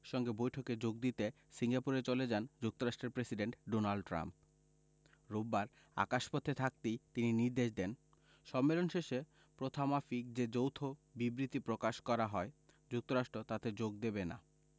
সঙ্গে বৈঠকে যোগ দিতে সিঙ্গাপুরে চলে যান যুক্তরাষ্ট্রের প্রেসিডেন্ট ডোনাল্ড ট্রাম্প রোববার আকাশপথে থাকতেই তিনি নির্দেশ দেন সম্মেলন শেষে প্রথামাফিক যে যৌথ বিবৃতি প্রকাশ করা হয় যুক্তরাষ্ট্র তাতে যোগ দেবে না